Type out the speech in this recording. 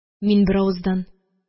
Мин беравыздан